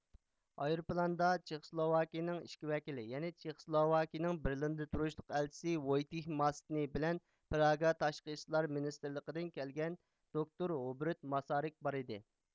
ئايروپىلاندا چېخسلوۋاكىيىنىڭ ئىككى ۋەكىلى يەنى چېخسلوۋاكىيىنىڭ بېرلىندا تۇرۇشلۇق ئەلچىسى ۋويتېھ ماستنى بىلەن پراگا تاشقى ئىشلار مىنىستىرلىقىدىن كەلگەن دوكتور ھۇبېرت ماسارىك بار ئىدى